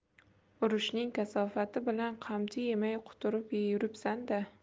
urushning kasofati bilan qamchi yemay quturib yuribsanda